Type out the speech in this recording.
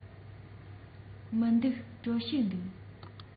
མི འདུག གྲོ ཞིབ འདུག